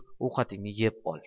ovqatingni yeb ol